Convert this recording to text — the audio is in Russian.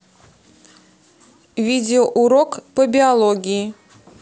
видеоурок по биологии